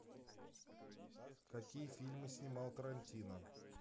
какие фильмы снимал тарантино